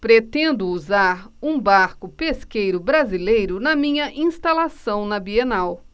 pretendo usar um barco pesqueiro brasileiro na minha instalação na bienal